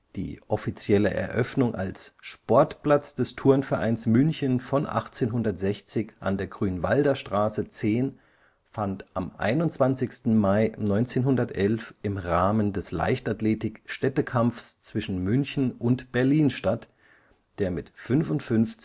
Die offizielle Eröffnung als Sportplatz des Turnvereins München von 1860 an der Grünwalder Straße 10 fand am 21. Mai 1911 im Rahmen des Leichtathletik-Städtekampfs zwischen München und Berlin statt, der mit 55:45